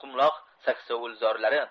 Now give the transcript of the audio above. qumloq saksovulzorlari